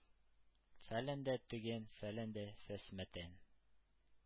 Фәлән дә төгән, фәлән дә фәсмәтән...